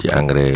ci engrais